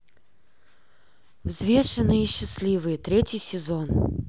взвешенные и счастливые третий сезон